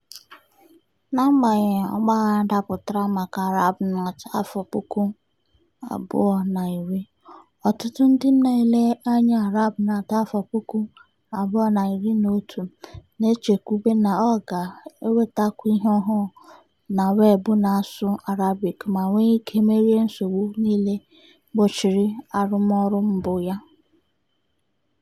N'agbanyeghị ọgbaghara dapụtara maka ArabNet 2010, ọtụtụ ndị na-ele anya ArabNet 2011 na-echekwube na ọ ga-ewetakwu ihe ọhụrụ na weebụ na-asụ Arabic ma nwe ike merie nsogbu niile gbochiri arụmọrụ mbụ ya.